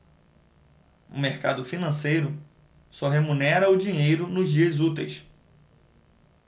o mercado financeiro só remunera o dinheiro nos dias úteis